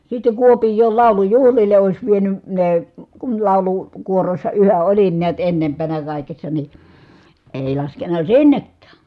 sitten Kuopioon laulujuhlille olisi vienyt ne kun - laulukuorossa yhä olin näet ennempänä kaikessa niin ei laskenut sinnekään